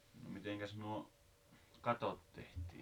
no mitenkäs nuo katot tehtiin